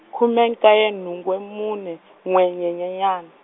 khume nkaye nhungu mune, n'we Nyenyenyane.